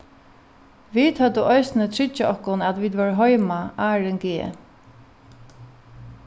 vit høvdu eisini tryggjað okkum at vit vóru heima áðrenn g